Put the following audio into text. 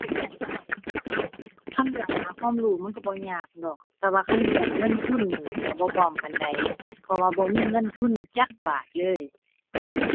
คันเรื่องหาความรู้มันก็บ่ยากดอก แต่ว่าคันเรื่องเงินทุนนี่ ก็บ่พร้อมปานใด เพราะว่าบ่มีเงินทุนจักบาทเลย